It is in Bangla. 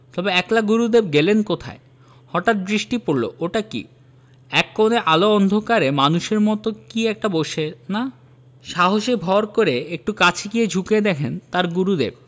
তবে একলা গুরুদেব গেলেন কোথায় হঠাৎ দৃষ্টি পড়ল ওটা কি এক কোণে আলো অন্ধকারে মানুষের মত কি একটা বসে না সাহসে ভর করে একটু কাছে গিয়ে ঝুঁকে দেখেন তাঁর গুরুদেব